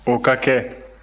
o ka kɛ